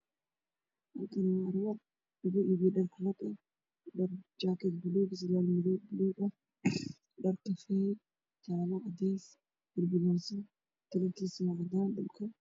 Waa jaakad buluug iyo surwaal buluug boombal kujiro midabkiisa yahay cadaan